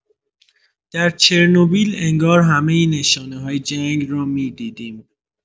در چرنوبیل انگار همۀ نشانه‌های جنگ را می‌دیدیم.